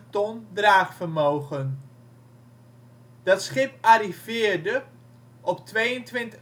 ton draagvermogen). Dat schip arriveerde op 22 april 1983, en